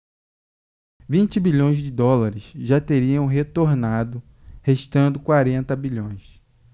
vinte bilhões de dólares já teriam retornado restando quarenta bilhões